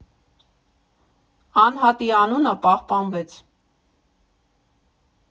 Անհատի անունը պահպանվեց։